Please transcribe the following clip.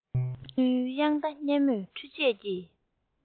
གླུའི དབྱངས རྟ སྙན མོས འཕྲུལ ཆས ཀྱི